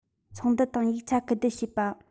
ཚོགས འདུ དང ཡིག ཆ ཁུ བསྡུ བྱེད པ